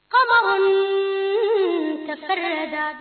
Faamasonin tiga da